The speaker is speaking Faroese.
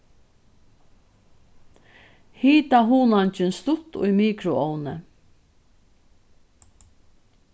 hita hunangin stutt í mikroovni